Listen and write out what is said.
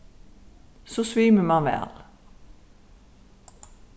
so svimur mann væl